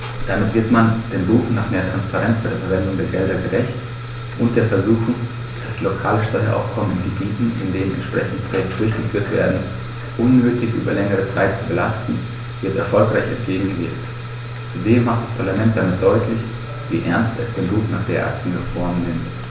Damit wird man den Rufen nach mehr Transparenz bei der Verwendung der Gelder gerecht, und der Versuchung, das lokale Steueraufkommen in Gebieten, in denen entsprechende Projekte durchgeführt werden, unnötig über längere Zeit zu belasten, wird erfolgreich entgegengewirkt. Zudem macht das Parlament damit deutlich, wie ernst es den Ruf nach derartigen Reformen nimmt.